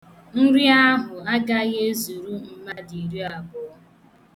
Nri ahụ agaghị ezuru mmadụ iriabụọ.